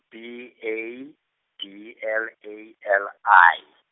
B A D L A L I.